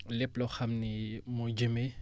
lépp loo xam ni mooy jëmee